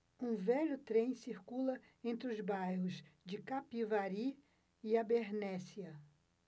um velho trem circula entre os bairros de capivari e abernéssia